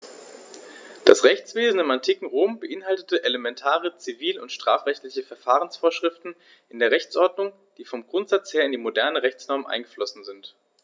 Das Rechtswesen im antiken Rom beinhaltete elementare zivil- und strafrechtliche Verfahrensvorschriften in der Rechtsordnung, die vom Grundsatz her in die modernen Rechtsnormen eingeflossen sind.